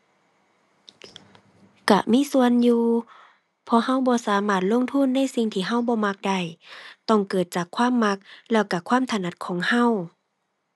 ก็มีส่วนอยู่ เพราะก็บ่สามารถลงทุนในสิ่งที่ก็บ่มักได้ ต้องเกิดจากความมัก แล้วก็ความถนัดของก็